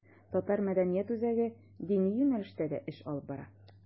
Татар мәдәният үзәге дини юнәлештә дә эш алып бара.